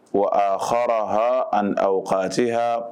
Ko a h h ani a ka se h